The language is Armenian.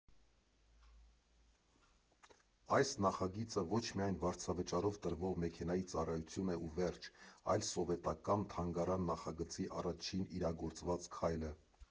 Այս նախագիծը ոչ միայն վարձավճարով տրվող մեքենայի ծառայություն է ու վերջ, այլ սովետական թանգարան նախագծի առաջին իրագործված քայլը։